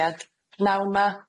pnawn 'ma.